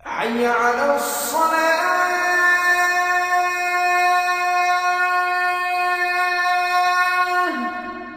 Maa y'ia laban